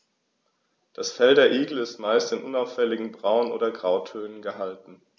Das Fell der Igel ist meist in unauffälligen Braun- oder Grautönen gehalten.